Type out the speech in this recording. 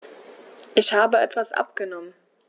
Ich habe etwas abgenommen.